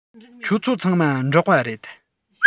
ཁྱོད ཚོ ཚང མ འབྲོག པ རེད